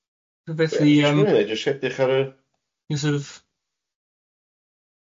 Felly... jyst edrych ar yr... sor' of